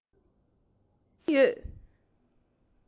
སྙིང པོ གང ཡོད